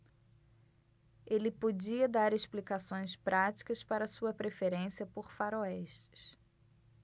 ele podia dar explicações práticas para sua preferência por faroestes